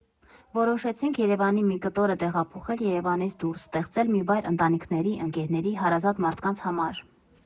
Որոշեցինք Երևանի մի կտորը տեղափոխել Երևանից դուրս, ստեղծել մի վայր ընտանիքների, ընկերների, հարազատ մարդկանց համար։